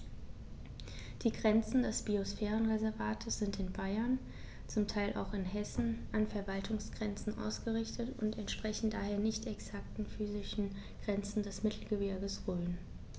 Die Grenzen des Biosphärenreservates sind in Bayern, zum Teil auch in Hessen, an Verwaltungsgrenzen ausgerichtet und entsprechen daher nicht exakten physischen Grenzen des Mittelgebirges Rhön.